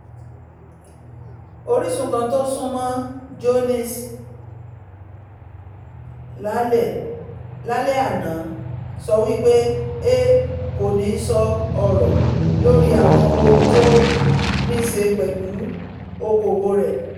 Orísun kan tó súnmọ́ Jones lálẹ́ àná sowípẹ́ ''A kòní sọ ọrọ lórí àwọn ohun tó nííṣe pẹ̀lú oko-òwò rẹ̀.''